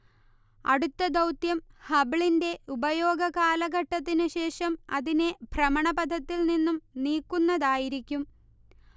അടുത്ത ദൗത്യം ഹബിളിന്റെ ഉപയോഗ കാലഘട്ടത്തിനു ശേഷം അതിനെ ഭ്രമണപഥത്തിൽ നിന്നും നീക്കുന്നതായിരിക്കും